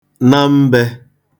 na mbē